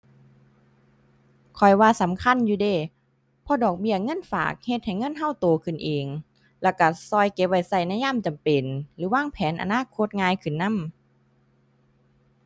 ข้อยว่าสำคัญอยู่เดะ เพราะดอกเบี้ยเงินฝากเฮ็ดให้เงินเราโตขึ้นเอง แล้วเราเราเก็บไว้เราในยามจำเป็นหรือวางแผนอนาคตง่ายขึ้นนำ